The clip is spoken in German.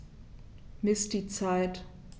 Miss die Zeit.